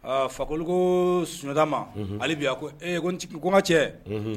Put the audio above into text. Aa Fakoli koo Sunjata ma unhun hali bi a ko ee ko nc k ko ŋa cɛɛ unhun